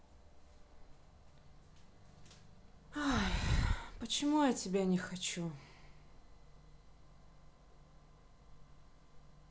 почему я тебя не хочу